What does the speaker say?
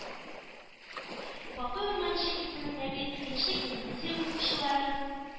Бакый Урманче исемендәге икенче гимназия укучылары